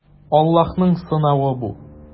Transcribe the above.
Аллаһның сынавы бу.